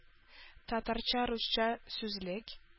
Татарча-русча сүзлек